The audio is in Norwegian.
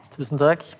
tusen takk.